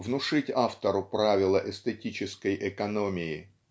внушить автору правила эстетической экономии